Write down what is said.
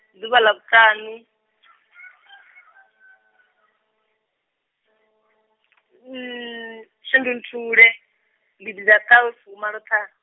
ḓuvha ḽa vhuṱaṋu , shundunthule, gidiḓaṱahefumaloṱha-.